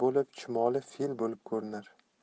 bo'lib chumoli fil bo'lib ko'rinar